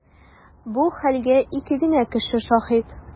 Бу хәлгә ике генә кеше шаһит.